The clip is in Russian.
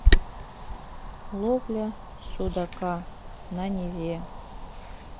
ловля судака на неве